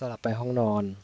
สลับไปห้องนอน